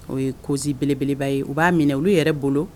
O ye kosi belebeleba ye u b'a minɛ u yɛrɛ bolo